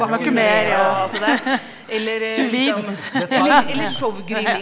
vakume ja sous vide .